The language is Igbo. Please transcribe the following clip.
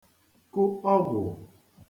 kụ ọgwụ̀